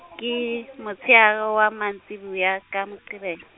ke motsheare wa mantsiboya, ka Moqebelo.